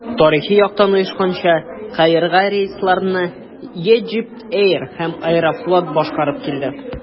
Тарихи яктан оешканча, Каирга рейсларны Egypt Air һәм «Аэрофлот» башкарып килде.